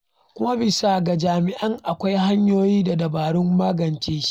Kuma, bisa ga jami'in, akwai hanyoyi da dabarun magance shi.